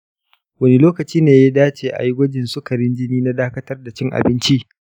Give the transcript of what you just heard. wane lokaci ne yafi dacewa ayi gwajin sukarin jini na dakatar da cin abinci?